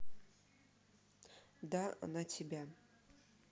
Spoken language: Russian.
да она тебя